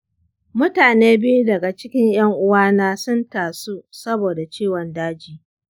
mutane biyu daga cikin ƴan-uwana sun tasu saboda ciwo daji